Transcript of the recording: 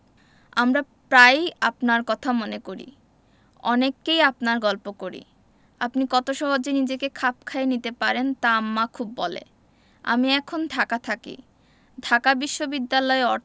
আমরা প্রায়ই আপনারর কথা মনে করি অনেককেই আপনার গল্প করি আপনি কত সহজে নিজেকে খাপ খাইয়ে নিতে পারেন তা আম্মা খুব বলে আমি এখন ঢাকা থাকি ঢাকা বিশ্ববিদ্যালয়ে